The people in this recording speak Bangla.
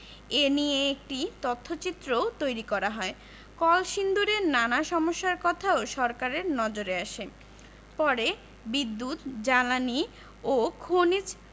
এ নিয়ে একটি তথ্যচিত্রও তৈরি করা হয় কলসিন্দুরের নানা সমস্যার কথাও সরকারের নজরে আসে পরে বিদ্যুৎ জ্বালানি ও খনিজ